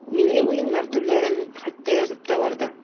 Милли уеннар төрләрен хәтта язып та барды.